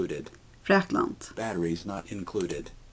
frakland